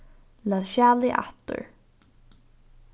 lat skjalið aftur